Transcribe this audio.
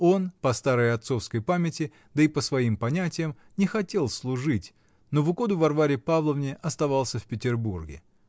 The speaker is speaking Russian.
он, по старой отцовской памяти, да и по своим понятиям, не хотел служить, но в угоду Варваре Павловне оставался в Петербурге.